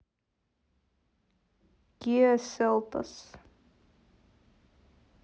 киа селтос